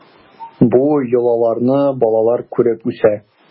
Бу йолаларны балалар күреп үсә.